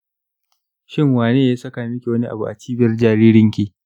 shin wani ya saka miki wani abu a cibiyar jaririnki?